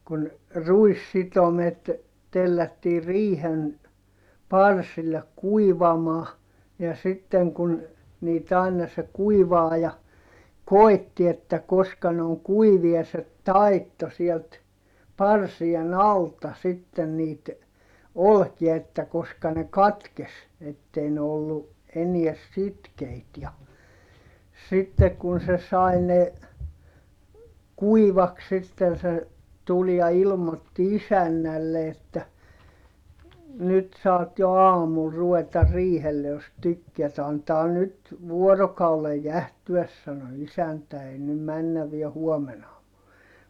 kun ruissitomet tellättiin riihen parsille kuivamaan ja sitten kun niitä aina se kuivaaja koétti että koska ne on kuivia se taittoi sieltä parsien alta sitten niitä olkia että koska ne katkesi että ei ne ollut enää sitkeitä ja sitten kun se sai ne kuivaksi sitten se tuli ja ilmoitti isännälle että nyt saat jo aamulla ruveta riihelle jos tykkäät antaa nyt vuorokauden jäähtyä sanoi isäntä ei nyt mennä vielä huomen aamulla